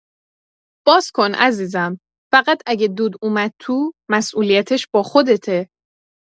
باز کن عزیزم، فقط اگه دود اومد تو، مسئولیتش با خودته.